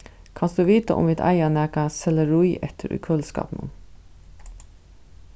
kanst tú vita um vit eiga nakað sellarí eftir í køliskápinum